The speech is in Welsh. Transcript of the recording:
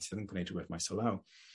Sydd yn gwneud rhwbeth maes o law.